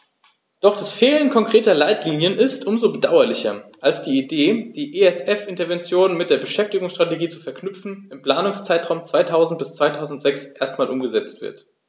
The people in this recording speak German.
Doch das Fehlen konkreter Leitlinien ist um so bedauerlicher, als die Idee, die ESF-Interventionen mit der Beschäftigungsstrategie zu verknüpfen, im Planungszeitraum 2000-2006 erstmals umgesetzt wird.